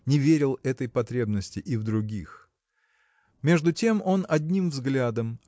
не верил этой потребности и в других. Между тем он одним взглядом